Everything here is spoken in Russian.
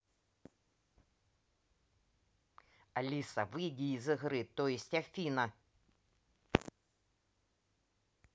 алиса выйди из игры то есть афина